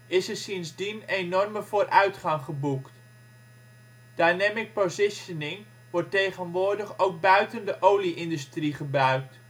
is er sindsdien enorme vooruitgang geboekt. Dynamic positioning wordt tegenwoordig ook buiten de olie-industrie gebruikt